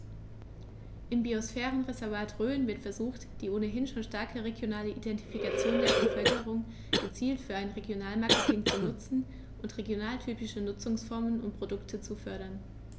Im Biosphärenreservat Rhön wird versucht, die ohnehin schon starke regionale Identifikation der Bevölkerung gezielt für ein Regionalmarketing zu nutzen und regionaltypische Nutzungsformen und Produkte zu fördern.